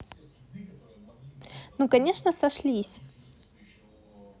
ну конечно сошлись